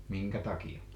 minkä takia